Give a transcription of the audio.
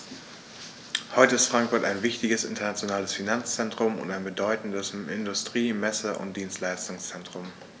Heute ist Frankfurt ein wichtiges, internationales Finanzzentrum und ein bedeutendes Industrie-, Messe- und Dienstleistungszentrum.